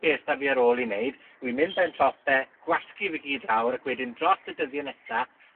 beth s'da fi ar ôl i wneud, wi'n mynd ben top e, gwasgu fe gyd lawr ac wedyn dros y dyddie nesa,